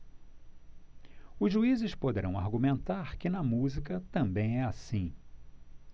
os juízes poderão argumentar que na música também é assim